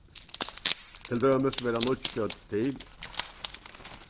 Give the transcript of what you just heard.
til dømis verða nýggj fjøll til